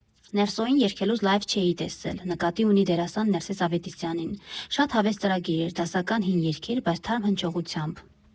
«Ներսոյին երգելուց լայվ չէի տեսել, ֊ նկատի ունի դերասան Ներսես Ավետիսյանին, ֊ շատ հավես ծրագիր էր՝ դասական հին երգեր, բայց թարմ հնչողությամբ։